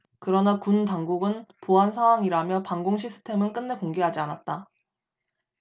그러나 군 당국은 보안사항이라며 방공 시스템은 끝내 공개하지 않았다